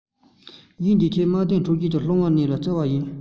གཞན གྱིས ཁྱེད དམག དོན འཁྲུག རྐྱེན སློང བ གནས ལ བརྩི བ ཡིན